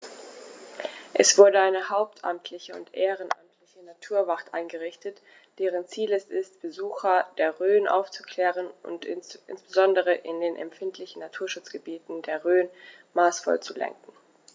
Es wurde eine hauptamtliche und ehrenamtliche Naturwacht eingerichtet, deren Ziel es ist, Besucher der Rhön aufzuklären und insbesondere in den empfindlichen Naturschutzgebieten der Rhön maßvoll zu lenken.